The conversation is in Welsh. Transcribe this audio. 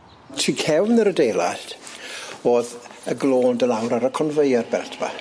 Tu cefn yr adeilad o'dd y glo yn do' lawr ar y confeier belt 'ma.